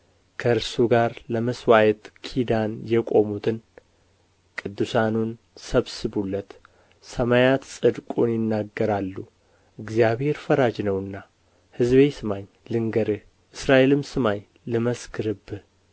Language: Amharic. ከእርሱ ጋር ለመሥዋዕት ኪዳን የቆሙትን ቅዱሳኑን ሰብስቡለት ሰማያት ጽድቁን ይናገራሉ እግዚአብሔር ፈራጅ ነውና ሕዝቤ ስማኝ ልንገርህ እስራኤልም ስማኝ ልመስክርብህ